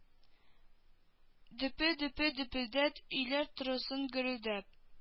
Дөпе-дөпе дөпелдәт өйләр торсын гөрелдәп